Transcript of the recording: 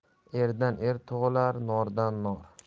erdan er tug'ilar nordan nor